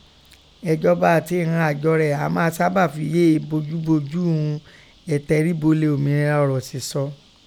Ẹ̀jọba àti ìghọn àjọ rẹ̀ a má a sáábà fi yèé se bójúbójú ún ẹ̀tẹríbọlẹ̀ òmìnira ọ̀rọ̀ sísọ.